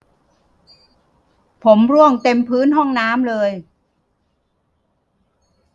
ผมร่วงเต็มพื้นห้องน้ำเลย